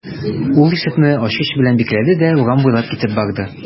Ул ишекне ачкыч белән бикләде дә урам буйлап китеп барды.